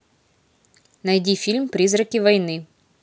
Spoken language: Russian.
найди фильм призраки войны